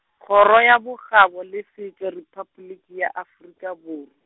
Kgoro ya Bokgabo le Setšo, Repabliki ya Afrika Borw-.